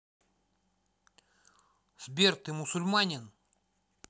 сбер ты мусульманин